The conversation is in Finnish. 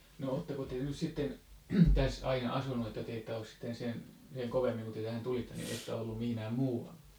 no oletteko te nyt sitten tässä aina asunut että te että ole sitten sen sen kovemmin kuin te tähän tulitte niin että ole ollut missään muualla